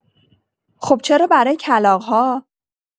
خب چرا برای کلاغ‌ها؟!